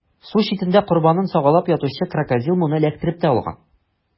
Су читендә корбанын сагалап ятучы Крокодил моны эләктереп тә алган.